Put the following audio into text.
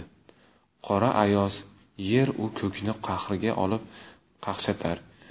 qora ayoz yer u ko'kni qahriga olib qaqshatar